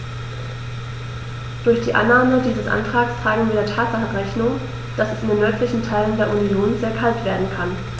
Durch die Annahme dieses Antrags tragen wir der Tatsache Rechnung, dass es in den nördlichen Teilen der Union sehr kalt werden kann.